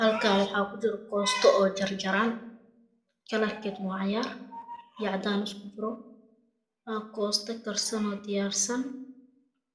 Halkaan waxaa ku jiro koosto oo jar jaran kalarkedu waa cagaar biyo cadaan isku jiro waa koosto karsano diyaarsan